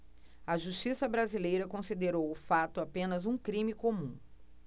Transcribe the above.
a justiça brasileira considerou o fato apenas um crime comum